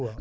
waaw